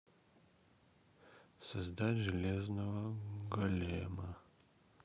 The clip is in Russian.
создать железного голема